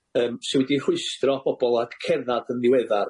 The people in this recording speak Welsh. yym sy' wedi rhwystro pobol rhag cerddad yn ddiweddar,